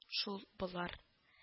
Шул болар: